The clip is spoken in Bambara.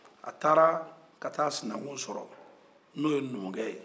a taara ka taa sinaku sɔrɔ n'o ye numukɛ ye